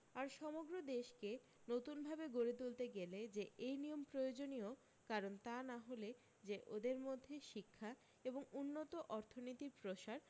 আর সমগ্র দেশকে নতুনভাবে গড়ে তুলতে গেলে যে এই নিয়ম প্রয়োজনীয় কারণ তা না হলে যে ওদের মধ্যে শিক্ষা এবং উন্নত অর্থনীতির প্রসার